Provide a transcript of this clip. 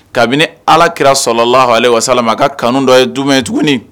Kabini alaki sɔrɔla laale walasasa a ka kanu dɔ ye dumuni ye tuguni